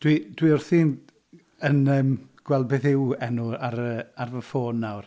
Dwi wrthi'n... yn yym gweld beth yw enw ar yy... ar fy ffôn nawr.